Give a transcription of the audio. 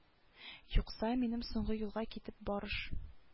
Юкса минем соңгы юлга китеп барыш